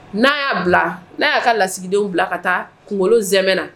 N'a y'a bila'a y'a ka lasigidenw bila ka taa kunkolo zmɛ na